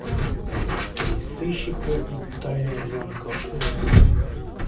три сыщика и тайна замка ужасов